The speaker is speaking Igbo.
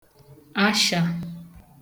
ashà